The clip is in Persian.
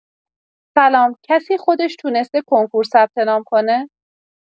سلام کسی خودش تونسته کنکور ثبت‌نام کنه؟